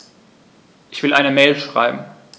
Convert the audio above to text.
Ich will eine Mail schreiben.